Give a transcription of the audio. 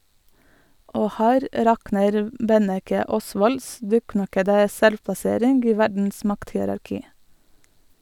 Og her rakner Benneche Osvolds dukknakkede selvplassering i verdens makthierarki.